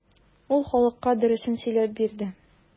Ул халыкка дөресен сөйләп бирде.